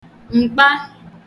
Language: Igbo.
m̀kpa